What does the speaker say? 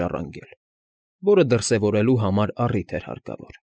Ժառանգել, որը դրսևորվելու համար առիթ էր հարկավոր։